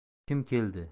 kim keldi